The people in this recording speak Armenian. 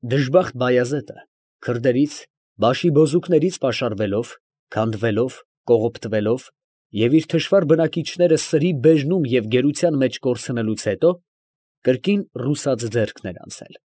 Դժբախտ Բայազեդը քրդերից, բաշիբոզուկներից պաշարվելով, քանդվելով, կողոպտվելով, և իր թշվառ բնակիչները սրի բերնում ու գերության մեջ կորցնելուց հետո, ֊ կրկին ռուսաց ձեռքն էր անցել։